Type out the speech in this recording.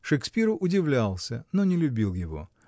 Шекспиру удивлялся, но не любил его